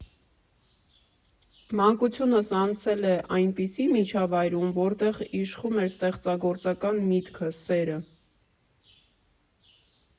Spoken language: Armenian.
Մանկությունս անցել է այնպիսի միջավայրում, որտեղ իշխում էր ստեղծագործական միտքը, սերը։